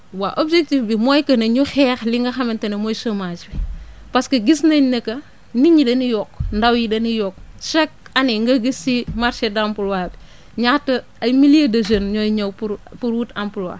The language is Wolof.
waaw objectif bi mooy que ne ñu xeex li nga xamante ne mooy chomage parce que gis nañ ne que nit ñi dañuy yokk ndaw yi dañuy yokku chaque année nga gis si marché d' emploie bi ñaata ay milliers de jeunes énooy ñëw pour pour wut emploie